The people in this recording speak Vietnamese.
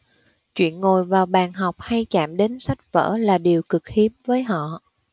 chuyện ngồi vào bàn học hay chạm đến sách vở là điều cực hiếm với họ